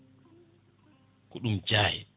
ko ɗum jaaye